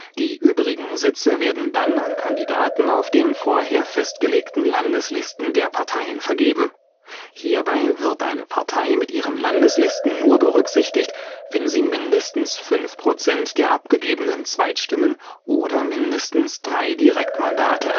Die übrigen Sitze werden dann an Kandidaten auf den vorher festgelegten Landeslisten der Parteien vergeben. Hierbei wird eine Partei mit ihren Landeslisten nur berücksichtigt, wenn sie mindestens fünf Prozent der abgegebenen Zweitstimmen oder mindestens drei Direktmandate